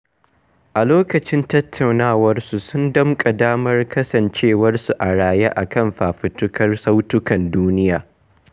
A lokacin tattaunawarsu, sun damƙa damar kasancewarsu a raye a kan fafutukar Sautukan Duniya.